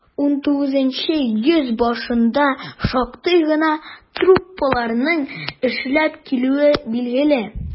XIX йөз башында шактый гына труппаларның эшләп килүе билгеле.